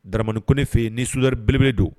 Damanik ne fɛ yen ni sudiriele don